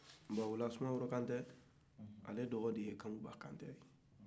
sumaworo kante dɔgɔni de ye kankuba kante